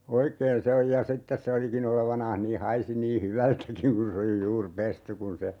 oikein se on ja sitten se olikin olevinaan niin haisi niin hyvältäkin kun se oli juuri pesty kun se